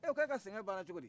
ee ko e ka sɛgɛn banna cogo di